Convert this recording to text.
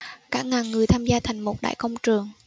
cả ngàn người tham gia thành một đại công trường